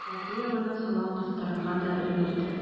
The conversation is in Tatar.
Салпы ягына салам кыстырырга да өлгерде.